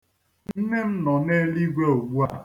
Nne m nọ n'eligwe ugbua.